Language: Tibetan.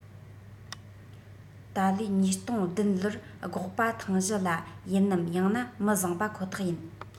ད ལོའི ཉིས སྟོང བདུན ལོར སྒོག པ ཐང གཞི ལ ཡིན ནམ ཡང ན མི བཟང པ ཁོ ཐག ཡིན